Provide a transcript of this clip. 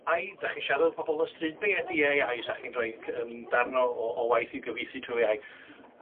Ai 'dach chi'n siarad pobol y stryd, be ydi Ay I? Os 'dach chi'n roi c- yym darn o o o waith i gyfieithu trwy Ay I.